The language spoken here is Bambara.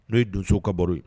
N'o ye donso ka baro ye.